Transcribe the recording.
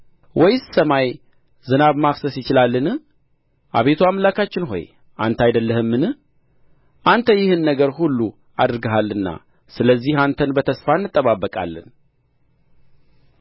ወይስ ሰማይ ዝናብ ማፍሰስ ይችላልን አቤቱ አምላካችን ሆይ አንተ አይደለህምን አንተ ይህን ነገር ሁሉ አድርገሃልና ስለዚህ አንተን በተስፋ እንጠባበቃለን